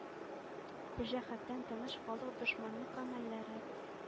Бу җәһәттән “Тыныч халык дошманлык гамәлләре